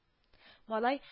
Малай